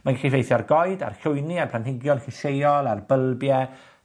mae'n gallu ffeithio ar goed, ar llwyni, ar planhigion llysieuol, ar bylbie,